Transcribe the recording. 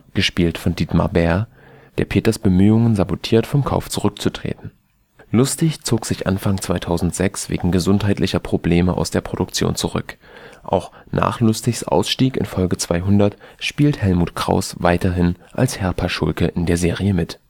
gespielt von Dietmar Bär), der Peters Bemühungen sabotiert, vom Kauf zurückzutreten. Lustig zog sich Anfang 2006 wegen gesundheitlicher Probleme aus der Produktion zurück. Auch nach Lustigs Ausstieg in Folge 200 spielt Helmut Krauss weiterhin als Herr Paschulke in der Serie mit